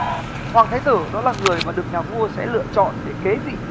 hoàng thái tử đó là người mà được nhà vua sẽ lựa chọn để kế vị